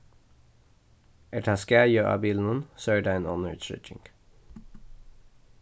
er tað skaði á bilinum so er tað ein onnur trygging